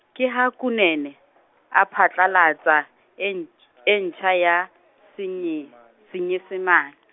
ke ha Kunene , a phatlallatsa, e n- , e ntjha ya, Senye-, Senyesemane.